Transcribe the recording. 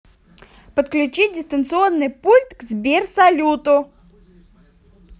подключить дистанционный пульт к сбер салюту